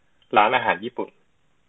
ร้านอาหารญี่ปุ่น